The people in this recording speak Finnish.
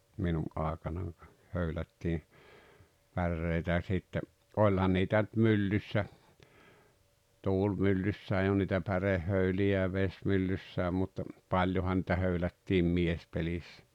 minun aikanani höylättiin päreitä ja sitten olihan niitä nyt myllyssä tuulimyllyssäkin joo niitä pärehöyliä ja vesimyllyssä mutta paljonhan niitä höylättiin miespelissä